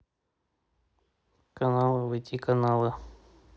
каналы войти каналы